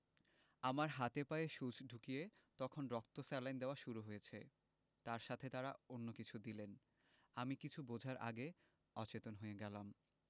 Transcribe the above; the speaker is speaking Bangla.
আমার হাতে পায়ে সুচ ঢুকিয়ে তখন রক্ত স্যালাইন দেওয়া শুরু হয়েছে তার সাথে তারা অন্য কিছু দিলেন আমি কিছু বোঝার আগে অচেতন হয়ে গেলাম